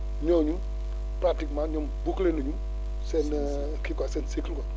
ñooñu pratiquement ñoom boucler na ñu seen kii quoi seen cycle quoi